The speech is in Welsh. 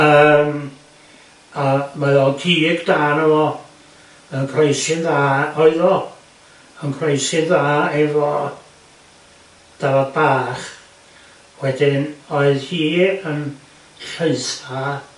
Yym a mae o cig da ano fo yn croesi'n dda oedd o yn croesi'n dda efo dafad bach wedyn oedd hi yn lleutha